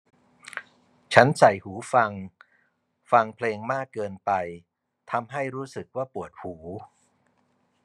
ฉันใส่หูฟังฟังเพลงมากเกินไปทำให้รู้สึกว่าปวดหู